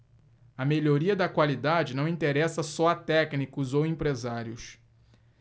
a melhoria da qualidade não interessa só a técnicos ou empresários